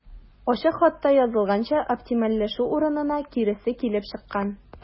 Ачык хатта язылганча, оптимальләшү урынына киресе килеп чыккан.